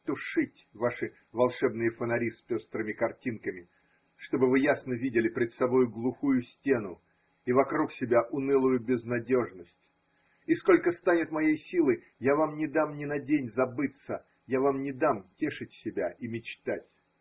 тушить ваши волшебные фонари с пестрыми картинками, чтобы вы ясно видели пред собою глухую стену и вокруг себя унылую безнадежность: и сколько станет моей силы, я вам не дам ни на день забыться, я вам не дам тешить себя и мечтать.